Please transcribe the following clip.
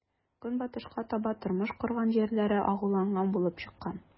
Көнбатышка таба тормыш корган җирләре агуланган булып чыккан.